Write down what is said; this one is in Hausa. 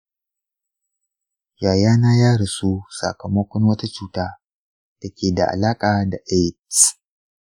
yayana ya rasu sakamakon wata cuta da ke da alaƙa da aids.